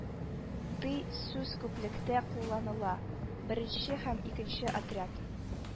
Дый сүз күплектә кулланыла: беренче һәм икенче отряд